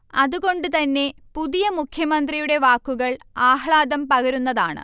അതുകൊണ്ടുതന്നെ പുതിയ മുഖ്യമന്ത്രിയുടെ വാക്കുകൾ ആഹ്ലാദം പകരുന്നതാണ്